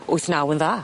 Wyth naw yn dda.